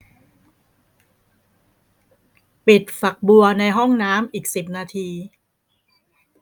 ปิดฝักบัวในห้องน้ำอีกสิบนาที